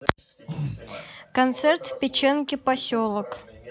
концерт в печенке поселок